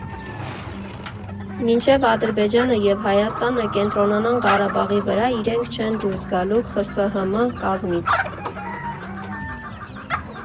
Մինչև Ադրբեջանը և Հայաստանը կենտրոնանան Ղարաբաղի վրա, իրենք չեն դուրս գալու ԽՍՀՄ կազմից։